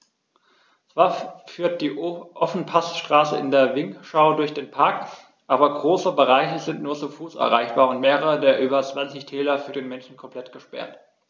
Zwar führt die Ofenpassstraße in den Vinschgau durch den Park, aber große Bereiche sind nur zu Fuß erreichbar und mehrere der über 20 Täler für den Menschen komplett gesperrt.